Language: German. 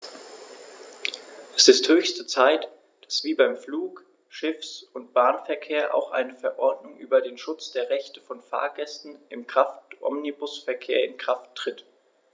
Es ist höchste Zeit, dass wie beim Flug-, Schiffs- und Bahnverkehr auch eine Verordnung über den Schutz der Rechte von Fahrgästen im Kraftomnibusverkehr in Kraft tritt.